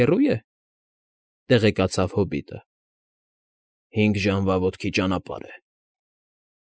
Հեռո՞ւ է,֊ տեղեկացավ հոբիտը։ ֊ Հինգ ժամվա ոտքի ճանապարհ է։